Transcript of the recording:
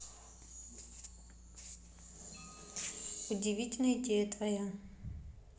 удивительное идея твоя